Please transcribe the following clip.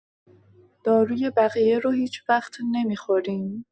داروی بقیه رو هیچ‌وقت نمی‌خوریم.